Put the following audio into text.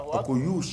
A ko y'u si